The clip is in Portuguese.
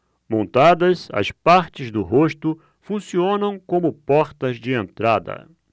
montadas as partes do rosto funcionam como portas de entrada